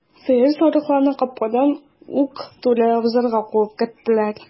Сыер, сарыкларны капкадан ук туры абзарга куып керттеләр.